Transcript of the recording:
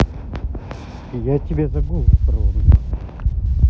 я тебя за голову проломлю